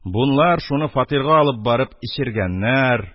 Бунлар шуны фатирга алып барып эчергәннәр,